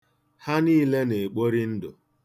Ha niile na-ekpori ndụ.